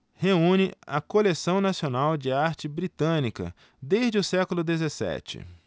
reúne a coleção nacional de arte britânica desde o século dezessete